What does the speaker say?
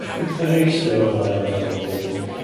Croeso i bobol rando ar y bonuses.